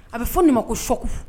A bɛ fɔ nin de ma ko choc